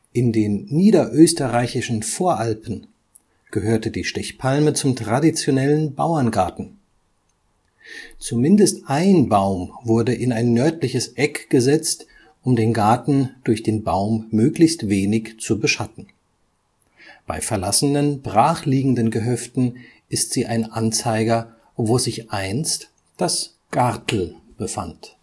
In den Niederösterreichischen Voralpen (Wienerwald, Mostviertel, Elsbeerreich) gehörte die Stechpalme zum traditionellen Bauerngarten. Zumindest ein Baum wurde in ein nördliches Eck (um den Garten durch den Baum möglichst wenig zu beschatten) gesetzt. Bei verlassenen, brach liegenden Gehöften ist sie ein Anzeiger, wo sich einst das ' Gartl ' befand